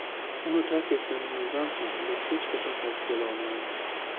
uni tark etganimizdan so'ng biz hech qachon qaytib kela olmaymiz